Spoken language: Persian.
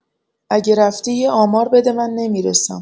اگه رفتی یه آمار بده من نمی‌رسم.